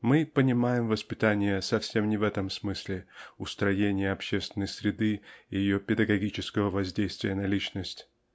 Мы понимаем воспитание совсем не в этом смысле "устроения" общественной среды и ее педагогического воздействия на личность.